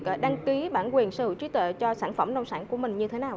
đăng ký bản quyền sở hữu trí tuệ cho sản phẩm nông sản của mình như thế nào ạ